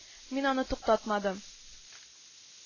Мин аны туктатмадым